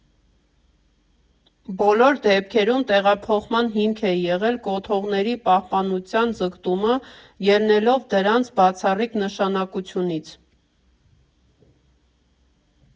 Բոլոր դեպքերում տեղափոխման հիմք է եղել կոթողների պահպանության ձգտումը՝ ելնելով դրանց բացառիկ նշանակությունից։